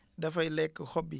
dafay lekk xob yi